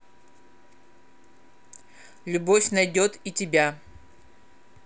любовь найдет и тебя